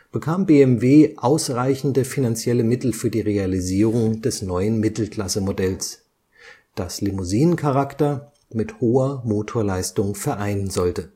bekam BMW ausreichende finanzielle Mittel für die Realisierung des neuen Mittelklasse-Modells, das Limousinen-Charakter mit hoher Motorleistung vereinen sollte